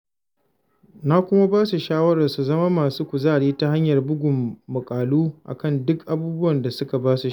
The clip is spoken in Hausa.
Na kuma ba su shawarar su zama masu kuzari ta hanyar buga muƙalu a kan duk abubuwan da suka ba su sha'awa.